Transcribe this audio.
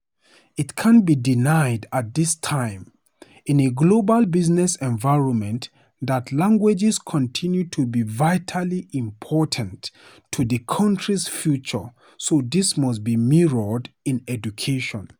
It can't be denied at this time, in a global business environment, that languages continue to be vitally important to the country's future, so this must be mirrored in education.